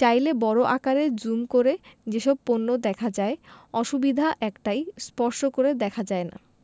চাইলে বড় আকারে জুম করে সেসব পণ্য দেখা যায় অসুবিধা একটাই স্পর্শ করে দেখা যায় না